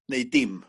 neu dim...